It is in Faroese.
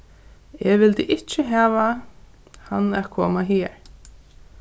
eg vildi ikki hava hann at koma higar